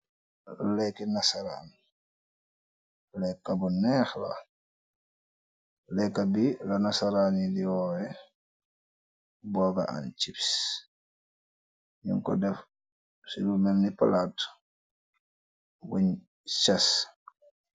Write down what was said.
Leeki nasaraan lekka bu neexlal leeka bi la nasaraan yi diwoowe booga an chips ñu ko def ci lu merni palaat buñ chas.